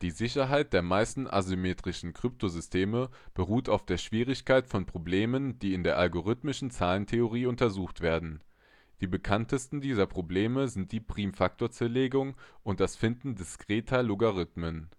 Sicherheit der meisten asymmetrischen Kryptosysteme beruht auf der Schwierigkeit von Problemen, die in der algorithmischen Zahlentheorie untersucht werden. Die bekanntesten dieser Probleme sind die Primfaktorzerlegung und das Finden diskreter Logarithmen